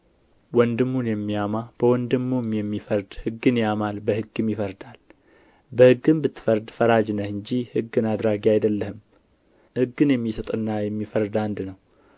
ወንድሙን የሚያማ በወንድሙም የሚፈርድ ሕግን ያማል በሕግም ይፈርዳል በሕግም ብትፈርድ ፈራጅ ነህ እንጂ ሕግን አድራጊ አይደለህም ሕግን የሚሰጥና የሚፈርድ አንድ ነው